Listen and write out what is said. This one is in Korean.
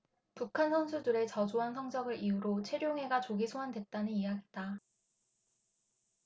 북한 선수들의 저조한 성적을 이유로 최룡해가 조기 소환됐다는 이야기다